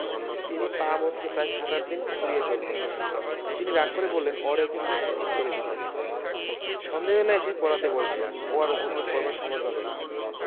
তিনি পা মচ্ কে প্রায় সাত আটদিন খুঁড়িয়ে চলতেন তিনি রাগ করে বললেন ওর একজন মাস্টার ঠিক করে দিতে সন্ধ্যেবেলায় এসে পড়াতে বসবেন ও আর উপদ্রব করবার সময় পাবে না